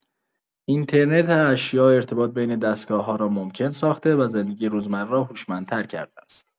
اینترنت اشیا ارتباط بین دستگاه‌ها را ممکن ساخته و زندگی روزمره را هوشمندتر کرده است.